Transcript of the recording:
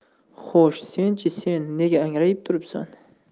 xo'sh senchi sen nega angrayib turibsan